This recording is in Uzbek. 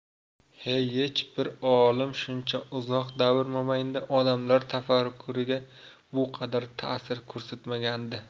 hyech bir olim shuncha uzoq davr mobaynida odamlar tafakkuriga bu qadar ta'sir kursatmagandi